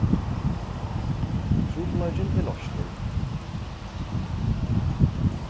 trupulleikin er loystur